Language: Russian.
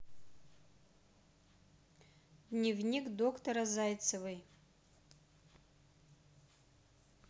дневник доктора зайцевой